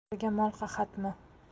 o'g'riga mol qahatmi